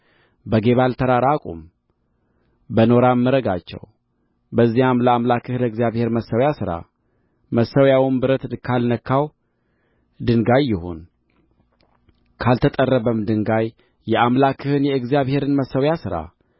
በጌባል ተራራ አቁም በኖራም ምረጋቸው በዚያም ለአምላክህ ለእግዚአብሔር መሠዊያ ሥራ መሠዊያውም ብረት ካልነካው ድንጋይ ይሁን ካልተጠረበም ድንጋይ የአምላክህን የእግዚአብሔርን መሠዊያ ሥራ